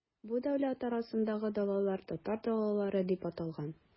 Бу дәүләт арасындагы далалар, татар далалары дип аталган.